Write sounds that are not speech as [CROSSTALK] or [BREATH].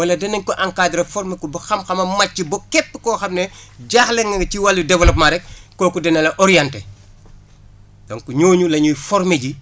wala dinañ ko encadré former ba xam-xamam màcc ba képp koo xam ne [BREATH] jaaxle na ci wàllu développement rek kooku dina la orienter donc ñooñu la ñuy former ji